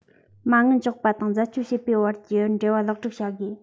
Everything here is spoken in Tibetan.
མ དངུལ འཇོག པ དང འཛད སྤྱོད བྱེད པའི བར གྱི འབྲེལ བ ལེགས སྒྲིག བྱ དགོས